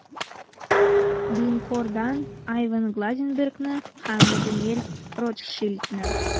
Glencore'дан Айван Глазенбергны һәм Натаниэль Ротшильдны.